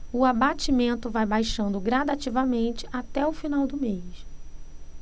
o abatimento vai baixando gradativamente até o final do mês